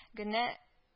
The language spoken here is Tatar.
Генә